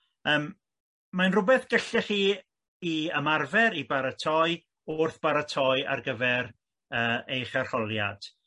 Yym mae'n rwbeth gellech chi i ymarfer i baratoi wrth baratoi ar gyfer yy eich arholiad